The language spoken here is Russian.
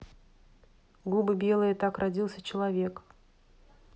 губы белые так родился человек